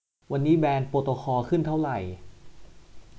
วันนี้แบรนด์โปรโตคอลขึ้นเท่าไหร่